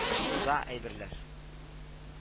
Туза әйберләр